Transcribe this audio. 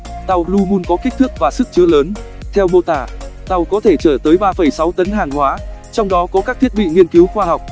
tàu blue moon có kích thước và sức chứa lớn theo mô tả tàu có thể chở tới tấn hàng hóa trong đó có các thiết bị nghiên cứu khoa học